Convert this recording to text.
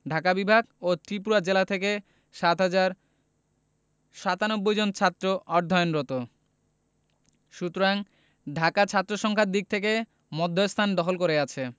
ঢাকা বিভাগ ও ত্রিপুরা জেলা থেকে ৭ হাজার ৯৭ জন ছাত্র অধ্যয়নরত সুতরাং ঢাকা ছাত্রসংখ্যার দিক থেকে মধ্যস্থান দখল করে আছে